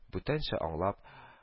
Бүтәнчә аңлап